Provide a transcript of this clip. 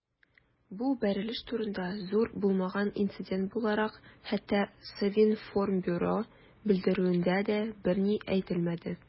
Бу бәрелеш турында, зур булмаган инцидент буларак, хәтта Совинформбюро белдерүендә дә берни әйтелмәде.